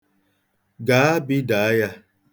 Gaa, bidaa ya.